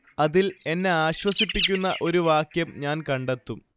അതിൽ എന്നെ ആശ്വസിപ്പിക്കുന്ന ഒരു വാക്യം ഞാൻ കണ്ടെത്തും